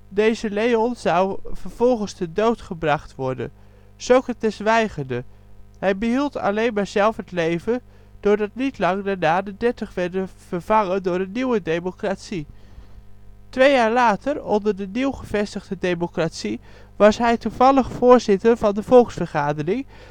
Deze Leon zou vervolgens ter dood gebracht worden. Socrates weigerde. Hij behield alleen maar zelf het leven doordat niet lang daarna de dertig werden vervangen door een nieuwe democratie. Twee jaar later, onder de nieuw gevestigde democratie, was hij toevallig voorzitter van de volksvergadering